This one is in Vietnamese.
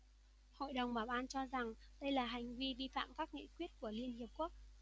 hội đồng bảo an cho rằng đây là hành vi vi phạm các nghị quyết của liên hiệp quốc